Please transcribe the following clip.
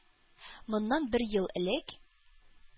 Моннан бер ел элек